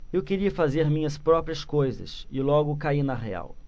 eu queria fazer minhas próprias coisas e logo caí na real